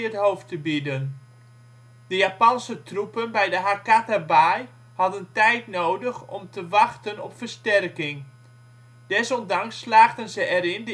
hoofd te bieden. De Japanse troepen bij de Hakatabaai hadden tijd nodig om te wachten op versterking. Desondanks slaagden ze erin